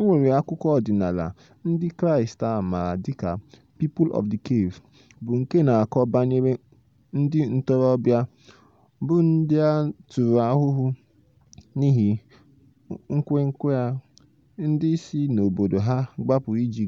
O nwere akụkọ ọdịnala ndị Kraịstị a maara dị ka "People of the Cave", bụ́ nke na-akọ banyere ndị ntorobịa, bụ́ ndị a tara ahụhụ n'ihi nkwenkwe ha, ndị si n'obodo ha gbapụ iji